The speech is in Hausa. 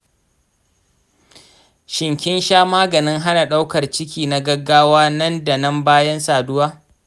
shin kin sha maganin hana daukar ciki na gaggawa nan da nan bayan saduwa.